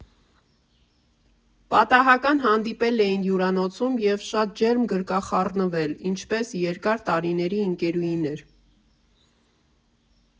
Պատահական հանդիպել էին հյուրանոցում և շատ ջերմ գրկախառնվել, ինչպես երկար տարիների ընկերուհիներ։